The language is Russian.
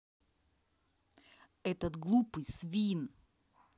этот глупый свин